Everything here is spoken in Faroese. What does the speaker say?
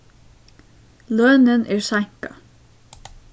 lønin er seinkað